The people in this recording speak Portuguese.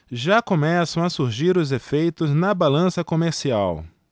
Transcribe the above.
já começam a surgir os efeitos na balança comercial